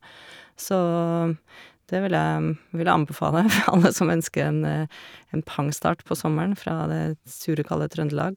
Så det vil jeg vil jeg anbefale alle som ønsker en en pangstart på sommeren fra det sure, kalde Trøndelag.